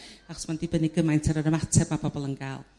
'chos ma' o'n dibynni gymaint ar yr ymateb ma' pobol yn ga'l.